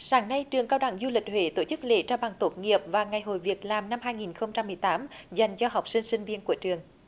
sáng nay trường cao đẳng du lịch huế tổ chức lễ trao bằng tốt nghiệp và ngày hội việc làm năm hai nghìn không trăm mười tám dành cho học sinh sinh viên của trường